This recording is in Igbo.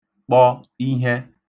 kpọ ihẹ